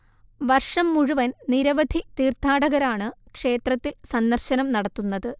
വർഷം മുഴുവൻ നിരവധി തീർത്ഥാടകരാണ് ക്ഷേത്രത്തിൽ സന്ദർശനം നടത്തുന്നത്